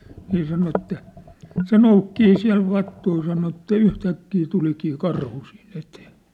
niin sanoi että se noukkii siellä vattuja sanoi että yhtäkkiä tulikin karhu siinä eteen